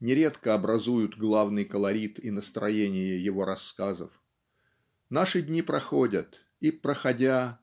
нередко образуют главный колорит и настроение его рассказов. Наши дни проходят и проходя